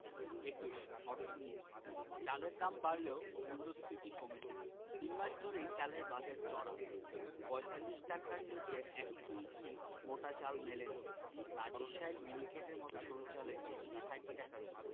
২১ অর্থনীতি চালের দাম বাড়লেও মূল্যস্ফীতি কমেছে তিন মাস ধরেই চালের বাজার চড়া ৪৫ টাকার নিচে ১ কেজি মোটা চাল মেলেনি নাজিরশাইল মিনিকেটের মতো সরু চালের কেজি ৬০ টাকার ওপরে